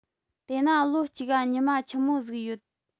དེས ན ལོ གཅིག ག ཉི མ ཆི མོ ཟིག ཡོད